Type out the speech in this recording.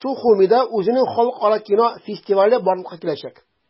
Сухумида үзенең халыкара кино фестивале барлыкка киләчәк.